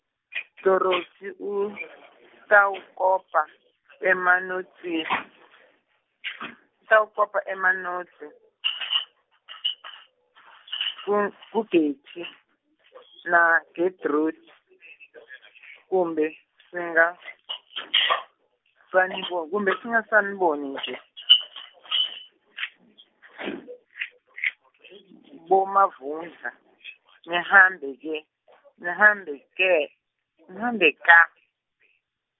Dorothy utawukopa, emanotsi, utawukopa emanotsi , kung- kuGetty , naGetrude, kumbe singasanibon-, kumbe singasaniboni nje , boMavundla, nihambe ke , nihambe ke, nihambe ka.